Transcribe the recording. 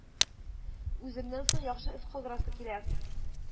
Үземнән соң яхшы эз калдырасы килә